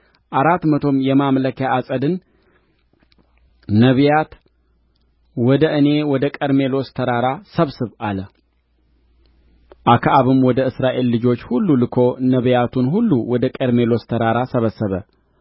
አራት መቶም የማምለኪያ ዐፀድን ነቢያት ወደ እኔ ወደ ቀርሜሎስ ተራራ ሰብስብ አለ አክዓብም ወደ እስራኤል ልጆች ሁሉ ልኮ ነቢያቱን ሁሉ ወደ ቀርሜሎስ ተራራ ሰበሰበ